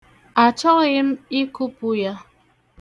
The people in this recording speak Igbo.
Achọghị m ịkụpụ ya.